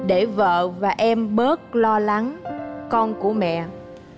để vợ và em bớt lo lắng con của mẹ